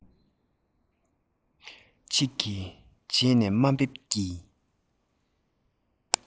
ཅིག གིས རྗེས ནས དམའ འབེབས ཀྱི